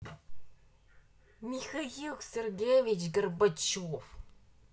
михаил сергеевич горбачев